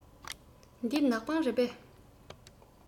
འདི ནག པང རེད པས